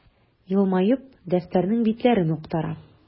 Елмаеп, дәфтәрнең битләрен актара.